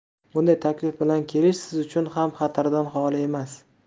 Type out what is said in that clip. bunday taklif bilan kelish siz uchun ham xatardan xoli emas